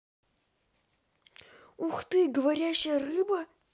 ух ты говорящая рыба